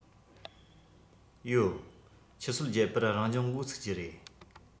ཡོད ཆུ ཚོད བརྒྱད པར རང སྦྱོང འགོ ཚུགས ཀྱི རེད